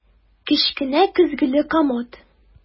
Кечкенә көзгеле комод.